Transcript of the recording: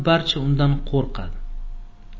barcha undan qurqadi